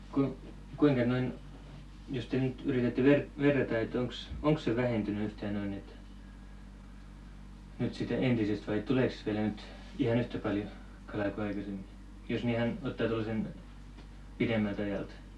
kuinka noin jos te nyt yritätte - verrata että onkos onko se vähentynyt yhtään noin että nyt siitä entisestä vai tuleekos vielä nyt ihan yhtä paljon kalaa kuin aikaisemmin jos nyt ihan ottaa tuollaisen pidemmältä ajalta